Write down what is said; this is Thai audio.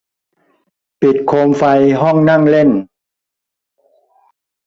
ปิดโคมไฟห้องนั่งเล่น